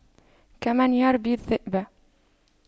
كمن يربي الذئب